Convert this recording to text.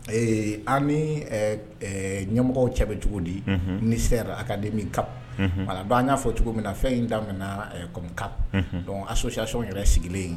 Ee a' ɛɛ ɛɛ ni ɲɛmɔgɔw cɛ bɛ cogo di, unhun, ministère, académie, CAP, voila donc an y'a fɔ cogo minna fɛn in daminɛna ɛɛ comme cas, donc association yɛrɛ sigilen